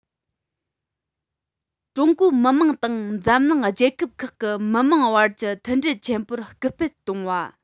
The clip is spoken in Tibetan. ཀྲུང གོའི མི དམངས དང འཛམ གླིང རྒྱལ ཁབ ཁག གི མི དམངས བར གྱི མཐུན སྒྲིལ ཆེན པོར སྐུལ སྤེལ གཏོང བ